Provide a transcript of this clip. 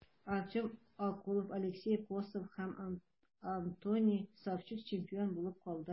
Артем Окулов, Алексей Косов һәм Антоний Савчук чемпион булып калды.